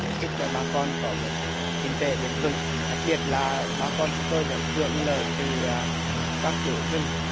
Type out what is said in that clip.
để giúp cho bà con có một kinh tế bền vững đặc biệt là bà con chúng tôi được hưởng lợi từ các chủ rừng